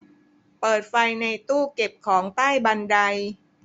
เปิดไฟในตู้เก็บของใต้บันได